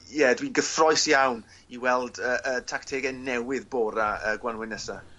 Ie dwi'n gyffrous iawn i weld yy y tactege newydd Bora y Gwanwyn nesa.